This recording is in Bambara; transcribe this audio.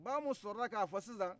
ba umu sɔrɔla k'a fɔ sisan